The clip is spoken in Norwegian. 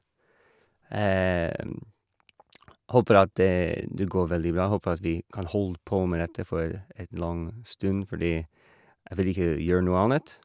Håper at det det går veldig bra, håper vi at vi kan holde på med dette for et lang stund, fordi jeg vil ikke gjøre noe annet.